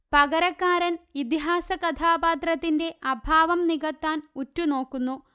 പകരക്കാരൻ ഇതിഹാസ കഥാപാത്രത്തിന്റെ അഭാവം നികത്താൻഉറ്റുനോക്കുന്നു